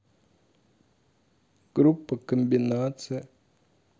группа комбинация